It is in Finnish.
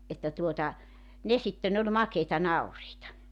että tuota ne sitten oli makeita nauriita